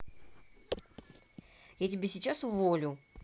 я тебя сейчас уволю